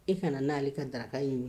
E kana n'ale ka daraka ɲi